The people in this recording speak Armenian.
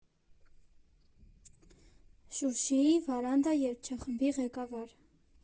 Շուշիի «Վարանդա» երգչախմբի ղեկավար։